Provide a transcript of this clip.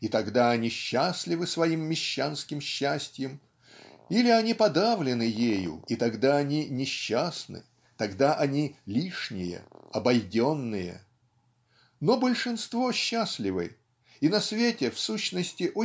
и тогда они счастливы своим мещанским счастьем или они подавлены ею и тогда они несчастны тогда они лишние, обойденные. Но большинство счастливы и на свете в сущности